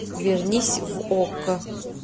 вернись в окко